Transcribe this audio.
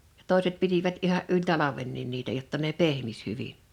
ja toiset pitivät ihan yli talvenkin niitä jotta ne pehmisi hyvin